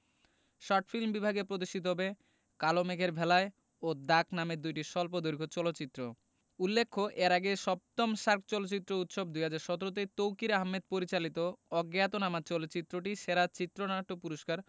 short film বিভাগে প্রদর্শিত হবে কালো মেঘের ভেলায় ও দাগ নামের দুটি স্বল্পদৈর্ঘ চলচ্চিত্র উল্লেখ্য এর আগে ৭ম সার্ক চলচ্চিত্র উৎসব ২০১৭ তে তৌকীর আহমেদ পরিচালিত অজ্ঞাতনামা চলচ্চিত্রটি সেরা চিত্রনাট্য পুরস্কার